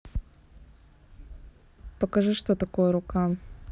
покажи что такое рука